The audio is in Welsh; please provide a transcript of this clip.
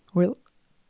Hwyl.